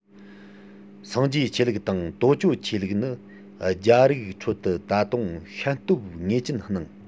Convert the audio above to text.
སངས རྒྱས ཆོས ལུགས དང ཏའོ ཇོ ཆོས ལུགས ནི རྒྱ རིགས ཁྲོད དུ ད དུང ཤན སྟོབས ངེས ཅན སྣང